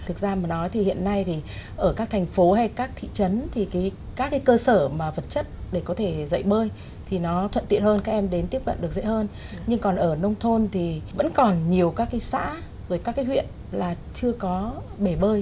thực ra mà nói thì hiện nay thì ở các thành phố hay các thị trấn thì cái các cơ sở mà vật chất để có thể dạy bơi thì nó thuận tiện hơn các em đến tiếp cận được dễ hơn nhưng còn ở nông thôn thì vẫn còn nhiều các cái xã với các huyện là chưa có bể bơi